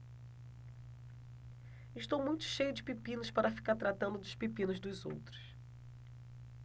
estou muito cheio de pepinos para ficar tratando dos pepinos dos outros